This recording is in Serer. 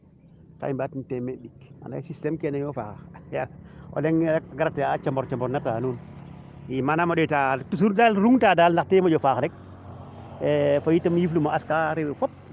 kaa i mbiyat temeed ɗik kene moƴ faax o leŋ gara te a coɓarnata nuun i manam o ndeeta daal toujours daal ruqta daal tiye moƴo faax daal e koy fo yiif lum o ax ka wiin we fop